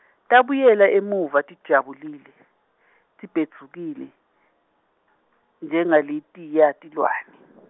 Tabuyela emuva tijabulile tibhedvukile, njengaletinye tilwane .